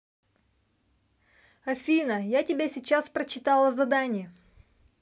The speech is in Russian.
афина я тебя сейчас прочитала задание